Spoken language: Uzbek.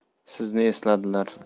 sizni esladilar